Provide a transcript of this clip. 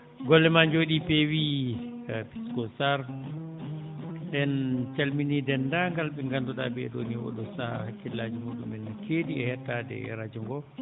golle ma njooɗii peewi Pisco Sarr en calminii denndaangal ɓe ngannduɗaa ɓee ɗoo nii oo ɗoo sahaa hakkillaaji muɗumen ne keedi e hettaade radio ngoo